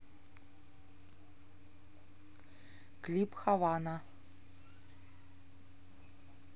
клип havana